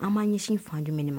An b'an ɲɛsin fan jumɛn de ma?